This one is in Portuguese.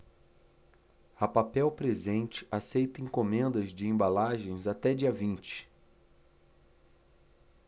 a papel presente aceita encomendas de embalagens até dia vinte